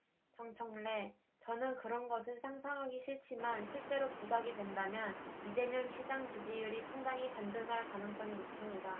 정청래 저는 그런 것은 상상하기 싫지만 실제로 기각이 된다면 이재명 시장 지지율이 상당히 반등할 가능성이 높습니다